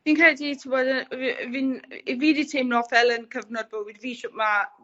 Fi'n credu t'wbod yy fy fi'n 'yf fi 'di timlo ffel yn cyfnod bywyd fi shwt ma'